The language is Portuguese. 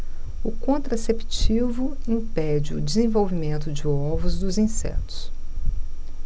o contraceptivo impede o desenvolvimento de ovos dos insetos